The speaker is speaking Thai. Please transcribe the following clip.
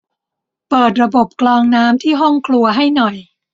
เปิดระบบกรองน้ำที่ห้องครัวให้หน่อย